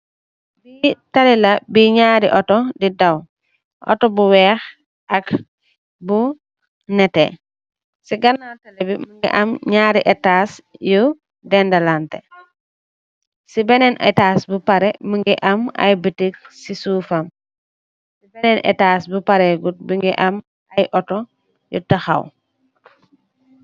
Bi talila bi ñaari auto di daw auto bu weex ak bu nete ci ganal tali bi mëngi am ñaari etaas yu dendalante ci beneen ay taas bu pare mëngi am ay bitik ci suufam ci beneen etaas bu pare gut bi ngi am ay auto yu taxaw.